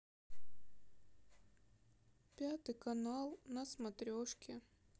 пятый канал на смотрешке